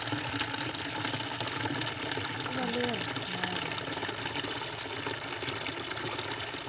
валера новый